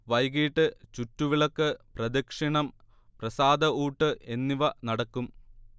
വൈകീട്ട് ചുറ്റുവിളക്ക്, പ്രദക്ഷിണം, പ്രസാദഊട്ട് എന്നിവ നടക്കും